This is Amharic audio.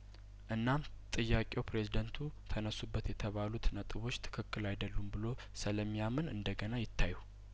እናም ጥያቄው ፕሬዘዳንቱ ተነሱ በት የተባሉት ነጥቦች ትክክል አይደሉም ብሎ ስለሚያምን እንደገና ይታዩ